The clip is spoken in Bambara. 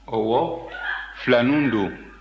ɔwɔ filaninw don